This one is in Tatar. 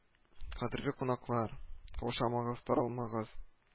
- кадерле кунаклар, каушамагыз, таралмагыз